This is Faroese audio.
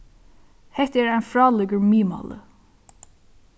hetta er ein frálíkur miðmáli